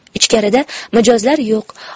ichkarida mijozlar yo'q